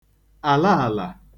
àlaàlà